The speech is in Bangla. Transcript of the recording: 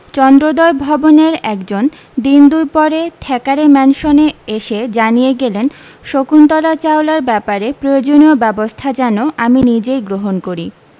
চন্দ্রোদয় ভবনের একজন দিন দুই পরে থ্যাকারে ম্যানসনে এসে জানিয়ে গেলেন শকুন্তলা চাওলার ব্যাপারে প্রয়োজনীয় ব্যবস্থা যেন আমি নিজেই গ্রহন করি